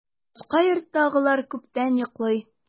Башка йорттагылар күптән йоклый.